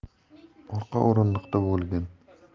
orqa o'rindiqda bo'lgan